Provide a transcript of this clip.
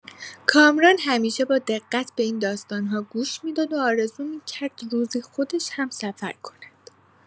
کامران همیشه با دقت به این داستان‌ها گوش می‌داد و آرزو می‌کرد روزی خودش هم‌سفر کند.